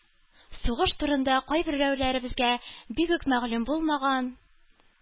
Сугыш турында кайберәүләребезгә бигүк мәгълүм булмаган